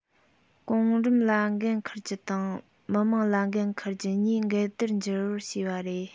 གོང རིམ ལ འགན འཁུར རྒྱུ དང མི དམངས ལ འགན འཁུར རྒྱུ གཉིས འགལ ཟླར འགྱུར བར བྱས པ རེད